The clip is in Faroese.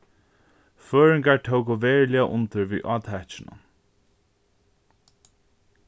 føroyingar tóku veruliga undir við átakinum